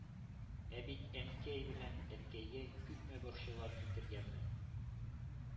Ә бит Әнкәй белән әткәйгә күпме борчулар китергәнмен,